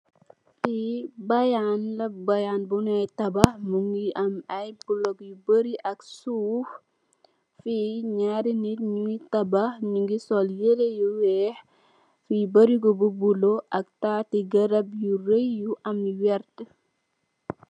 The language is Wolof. Li bayann la bayann bo nyui tabax mongi ay block yu bari ak suuf fi naari nitt nyui tabax nyungi sol yere yu weex fi barigo yu bulu ak tati grarab yu raay yu am lu werta.